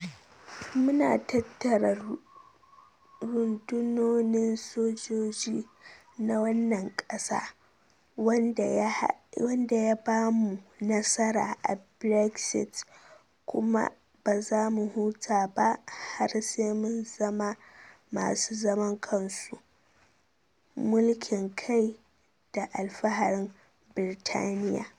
Mu na tattara rundunonin sojoji na wannan kasa wanda ya ba mu nasara a Brexit kuma ba za mu huta ba har sai mun zama masu zaman kansu, mulkin kai, da Alfaharin Britaniya.'